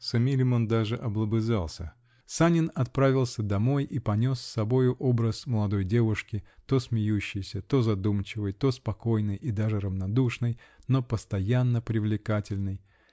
(с Эмилем он даже облобызался), Санин отправился домой и понес с собою образ молодой девушки, то смеющейся, то задумчивой, то спокойной и даже равнодушной, -- но постоянно привлекательной!